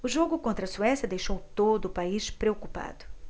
o jogo contra a suécia deixou todo o país preocupado